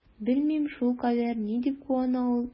Белмим, шулкадәр ни дип куана ул?